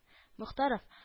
Мохтаров